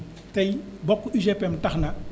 tey bokk UGPM tax na